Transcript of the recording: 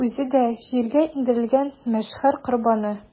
Үзе дә җиргә иңдерелгән мәхшәр корбаны.